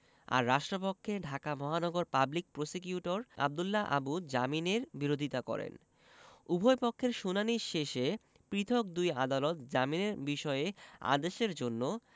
আর রাষ্ট্রপক্ষে ঢাকা মহানগর public prosecutor Abdullah Abu জামিনের বিরোধিতা করেন উভয়পক্ষের শুনানি শেষে পৃথক দুই আদালত জামিনের বিষয়ে আদেশের জন্য